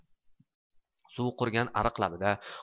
suvi qurigan ariq labida